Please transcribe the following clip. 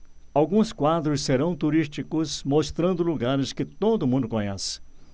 alguns quadros serão turísticos mostrando lugares que todo mundo conhece